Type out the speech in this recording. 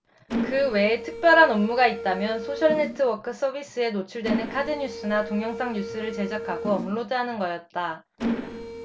그 외에 특별한 업무가 있다면 소셜네트워크서비스에 노출되는 카드뉴스나 동영상뉴스를 제작하고 업로드하는 거였다